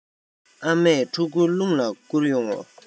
ཨ མས ཕྲུ གུ རླུང ལ བསྐུར ཡོང ངོ